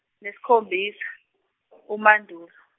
neskhombisa uMandulo.